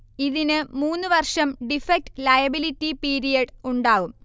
ഇതിന് മൂന്ന് വർഷം ഡിഫക്ട് ലയബിലിറ്റി പീരിയഡ് ഉണ്ടാവും